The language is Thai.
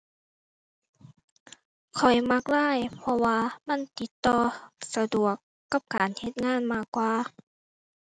ข้อยมัก LINE เพราะว่ามันติดต่อสะดวกกับการเฮ็ดงานมากกว่า